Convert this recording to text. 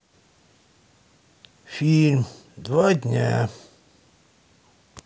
фильм два дня